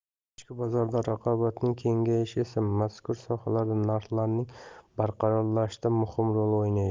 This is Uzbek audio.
ichki bozorda raqobatning kengayishi esa mazkur sohalarda narxlar barqarorlashishida muhim rol o'ynaydi